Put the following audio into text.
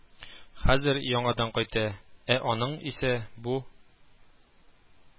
Хәзер яңадан кайта, ә аның исә бу